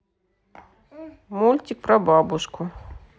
мультик про бабушку